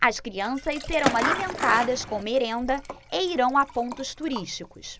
as crianças serão alimentadas com merenda e irão a pontos turísticos